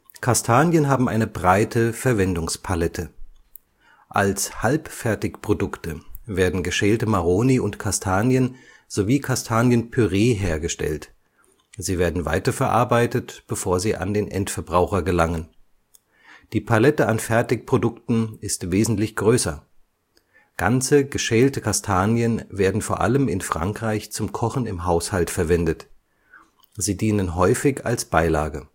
Kastanien haben eine breite Verwendungspalette. Als Halbfertigprodukte werden geschälte Maroni und Kastanien sowie Kastanienpüree hergestellt, sie werden weiterverarbeitet, bevor sie an den Endverbraucher gelangen. Die Palette an Fertigprodukten ist wesentlich größer: ganze geschälte Kastanien werden vor allem in Frankreich zum Kochen im Haushalt verwendet, sie dienen häufig als Beilage